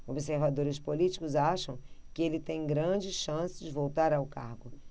observadores políticos acham que ele tem grandes chances de voltar ao cargo